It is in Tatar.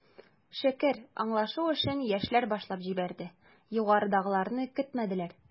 Шөкер, аңлашу эшен, яшьләр башлап җибәрде, югарыдагыларны көтмәделәр.